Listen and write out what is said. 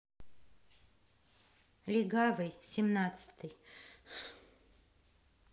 легавый семнадцатый